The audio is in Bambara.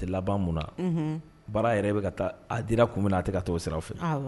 Tɛ laban munna unhun baara yɛrɛ bɛ ka taa a dira kun minna a te ka t'o siraw fɛ awɔ